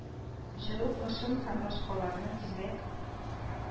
Җыру кошын һәм башкаларны тизрәк